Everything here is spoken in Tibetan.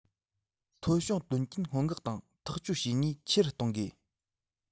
ཐོལ བྱུང དོན རྐྱེན སྔོན འགོག དང ཐག གཅོད བྱེད ནུས ཆེ རུ གཏོང དགོས